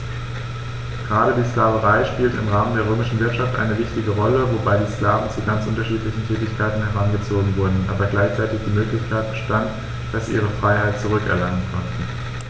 Gerade die Sklaverei spielte im Rahmen der römischen Wirtschaft eine wichtige Rolle, wobei die Sklaven zu ganz unterschiedlichen Tätigkeiten herangezogen wurden, aber gleichzeitig die Möglichkeit bestand, dass sie ihre Freiheit zurück erlangen konnten.